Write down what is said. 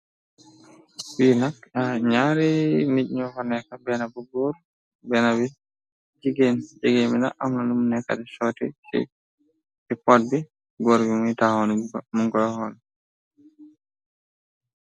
Fee nak aye nyari neet nufa neka bena bu goor bena be jegain jegain be nak amna lum neka de sooti ci ci pote bi góor be muge tahaw mugkoy hol.